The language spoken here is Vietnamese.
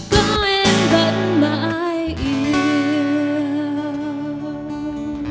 có em